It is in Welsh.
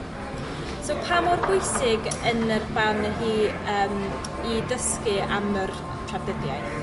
So pa mor bwysig yn yr barn chi yym i dysgu am yr yy trafdidiaeth?